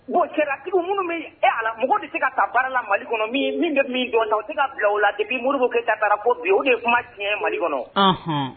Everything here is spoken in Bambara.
Bon cɛtigiw minnu min ala mɔgɔ tɛ se ka taa baara la mali kɔnɔ min bɛ min dɔn o se ka bila o la de' muruuru kɛ ta baara ko bi o de ye kuma tiɲɛ mali kɔnɔ